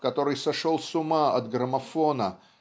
который сошел с ума от граммофона